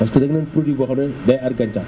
parce que da ngeen am produit boo xam ne day aar gàncax